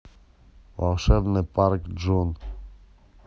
волшебный парк джун